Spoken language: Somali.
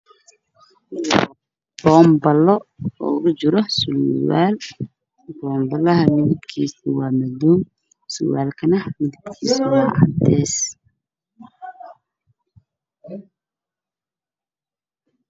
Waa boonbalo waxaa kujiro surwaal cadeys ah, boonbaluhu midabkiisa waa madow.